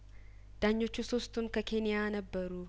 ዳኞቹ ሶስቱም ከኬንያ ነበሩ